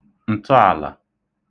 ǹtọàlà